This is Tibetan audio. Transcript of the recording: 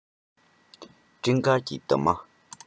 སྤྲིན དཀར གྱི འདབ མ